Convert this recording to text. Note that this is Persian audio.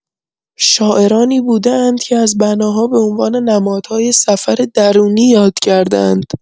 شاعرانی بوده‌اند که از بناها به‌عنوان نمادهای سفر درونی یاد کرده‌اند.